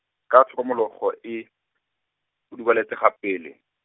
ka tshokolomogo e, udubaletsega pele.